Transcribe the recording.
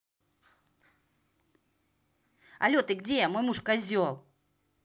але ты где мой муж козел